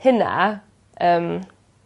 hynna yym